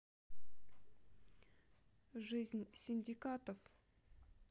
жизнь синдикатов